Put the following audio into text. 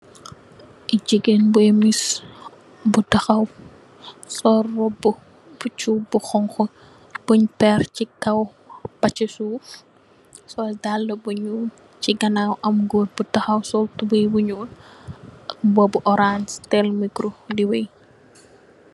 Jigéen bi miss bu tahaw sol robu bu chup bu honku bun perr ci kaw ba ci suuf, sol dall bu ñuul. Ci ganaaw am gòor bu tahaw sol tubeye bu ñuul ak mbubba bu orance tè micoro di wèy.